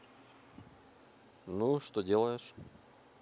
ну что делаешь